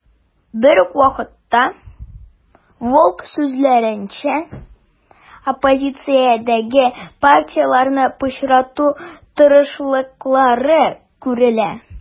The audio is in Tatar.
Берүк вакытта, Волк сүзләренчә, оппозициядәге партияләрне пычрату тырышлыклары күрелә.